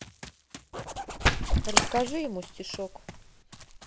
расскажи ему стишок